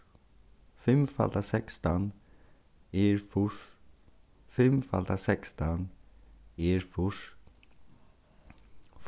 fimm falda sekstan er fýrs fimm falda sekstan er fýrs